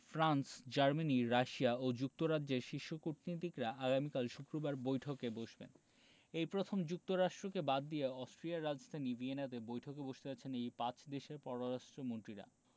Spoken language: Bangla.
ফ্রান্স জার্মানি রাশিয়া ও যুক্তরাজ্যের শীর্ষ কূটনীতিকরা আগামীকাল শুক্রবার বৈঠকে বসবেন এই প্রথম যুক্তরাষ্ট্রকে বাদ দিয়ে অস্ট্রিয়ার রাজধানী ভিয়েনাতে বৈঠকে বসতে যাচ্ছেন এই পাঁচ দেশের পররাষ্ট্রমন্ত্রীরা